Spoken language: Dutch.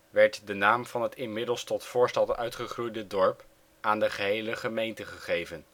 werd de naam van het inmiddels tot voorstad uitgegroeide dorp aan de gehele gemeente gegeven